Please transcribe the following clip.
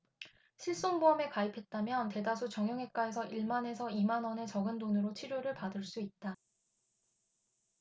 실손보험에 가입했다면 대다수 정형외과에서 일 만 에서 이 만원의 적은 돈으로 치료를 받을 수 있다